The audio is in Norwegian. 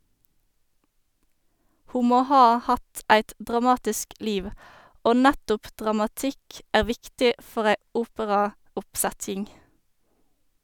Ho må ha hatt eit dramatisk liv, og nettopp dramatikk er viktig for ei operaoppsetjing.